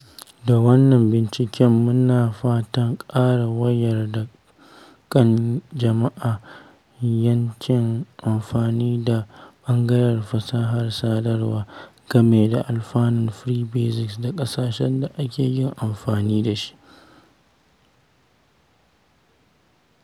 Da wannan binciken, muna fatan ƙara wayar da kan jama’a, 'yancin amfani da ɓangaren fasahar sadarwa game da alfanun Free Basics a ƙasashen da ake yin amfani da shi.